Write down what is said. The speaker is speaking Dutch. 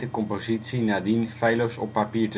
compositie nadien feilloos op papier